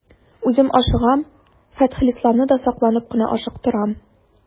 Үзем ашыгам, Фәтхелисламны да сакланып кына ашыктырам.